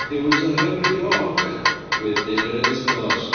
It was a hungry hawk with dinner in his claws.